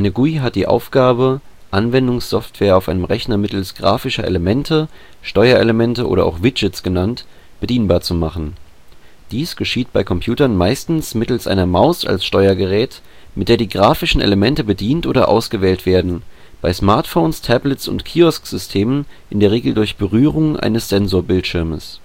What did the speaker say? GUI hat die Aufgabe, Anwendungssoftware auf einem Rechner mittels grafischer Elemente, Steuerelemente oder auch Widgets genannt, bedienbar zu machen. Dies geschieht bei Computern meistens mittels einer Maus als Steuergerät, mit der die grafischen Elemente bedient oder ausgewählt werden, bei Smartphones, Tablets und Kiosksystemen in der Regel durch Berührung eines Sensorbildschirms